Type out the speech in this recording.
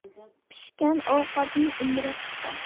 pishgan ovqatning umri qisqa